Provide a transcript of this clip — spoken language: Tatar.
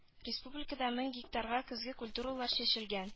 Республикада мең гектарга көзге культуралар чәчелгән